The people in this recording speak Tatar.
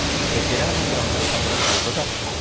Сатирә аны янына чакырып алды да: